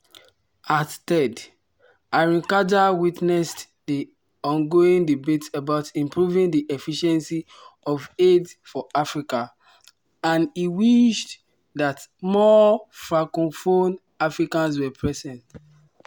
At TED, Harinjaka witnessed the ongoing debate about improving the efficiency of aid for Africa and he wished that more francophone Africans were present.